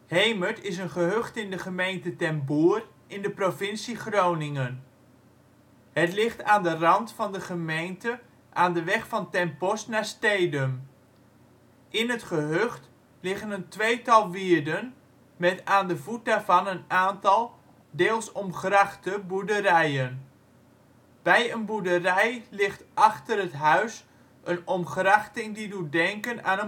Hemert is een gehucht in de gemeente Ten Boer in de provincie Groningen. Het ligt aan de rand van de gemeente aan de weg van Ten Post naar Stedum. In het gehucht liggen een tweetal wierden met aan de voet daarvan een aantal, deels omgrachte boerderijen. Bij een boerderij ligt achter het huis een omgrachting die doet denken aan